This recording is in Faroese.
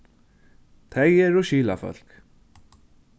tey eru skilafólk